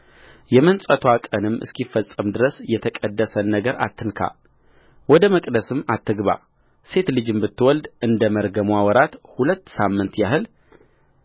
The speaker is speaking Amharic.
የመንጻትዋ ቀንም እስኪፈጸም ድረስ የተቀደሰን ነገር አትንካ ወደ መቅደስም አትግባሴት ልጅም ብትወልድ እንደ መርገምዋ ወራት ሁለት ሳምንት ያህል